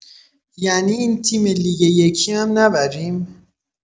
یعنی این تیم لیگ یکی هم نبریم؟